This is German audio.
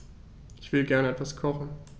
Ich will gerne etwas kochen.